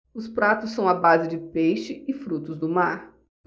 os pratos são à base de peixe e frutos do mar